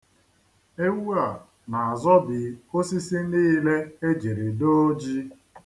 Ewu a na-azobi osisi niile e jiri doo ji